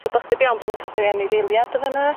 So bosib iawn bo' nw'n cadw eu anifeiliad y' fan 'na.